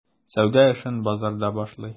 Сәүдә эшен базарда башлый.